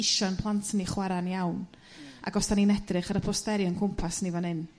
isio'n plant ni chwara'n iawn. Ac os 'dan ni'n edrych ar y posteri o'n cwmpas ni fan 'yn